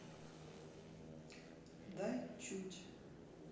дай чуть